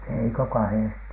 ei kuin kahdesti